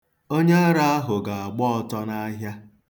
Onyeara ahụ ga-agba ọtọ n'ahịa.